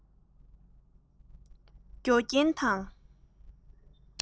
རྒྱུ རྐྱེན དང